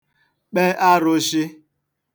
kpe arụ̄shị̄